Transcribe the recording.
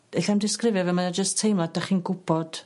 ellai'm disgrifio fe mae o jyst teimlo 'dach chi'n gwbod